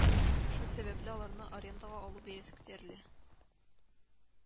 Шул сәбәпле аларны арендага алу бәясе күтәрелә